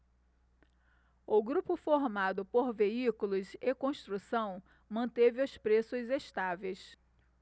o grupo formado por veículos e construção manteve os preços estáveis